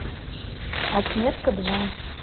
отметка два